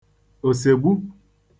òsègbu